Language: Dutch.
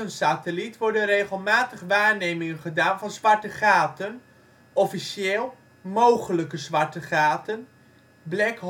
satelliet worden regelmatig waarnemingen gedaan van zwarte gaten (officieel: mogelijke zwarte gaten, " black